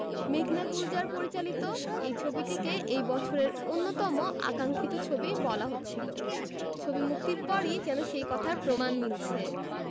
মেঘনা গুলজার পরিচালিত এই ছবিটিকে এই বছরের অন্যতম আকাঙ্খিত ছবি বলা হচ্ছিল ছবি মুক্তির পরই যেন সেই কথার প্রমাণ মিলছে